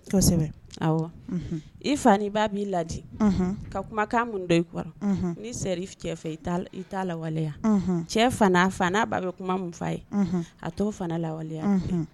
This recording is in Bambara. Kosɛbɛ i fa i b'a b'i laji ka kumakan mun dɔ i kɔrɔ ni seri cɛ fɛ i t'a lawaleya cɛ ba bɛ kuma minfa ye a tɔ fana lawaleya